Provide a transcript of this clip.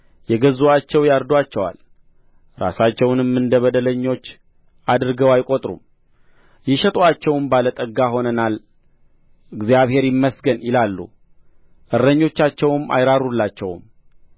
የገዙአቸው ያርዱአቸዋል ራሳቸውንም እንደ በደለኞች አድርገው አይቈጥሩም የሸጡአቸውም ባለ ጠጋ ሆነናልና እግዚአብሔር ይመስገን ይላሉ እረኞቻቸውም አይራሩላቸውም